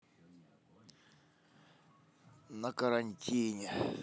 на карантине